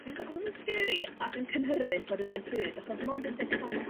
fuodd o.. odd o yn sgeri ac yn cynhyrfus ar yr un pryd achos 'mond un deg saith